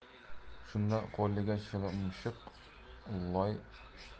shunda qo'liga shilimshiq